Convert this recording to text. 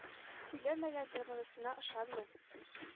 Сөйләмәгәндер монысына ышанмыйм